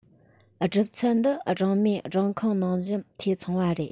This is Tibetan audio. གྲུབ ཚུལ འདི སྦྲང མའི སྦྲང ཁང ནང བཞིན འཐུས ཚང བ རེད